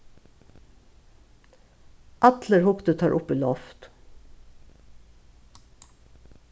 allir hugdu teir upp í loft